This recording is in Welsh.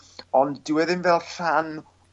ond dyw e ddim fel rhan